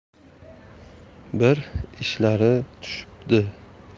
bir ishlari tushibdi